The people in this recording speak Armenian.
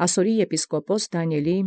Դանիէլի ասորւոյ եպիսկոպոսի։